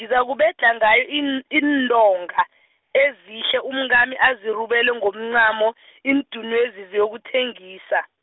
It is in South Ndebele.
ngizakubedlha ngawo, in- iintonga, ezihle, umkami azirubele ngomncamo , iindunwezi siyozithengisa.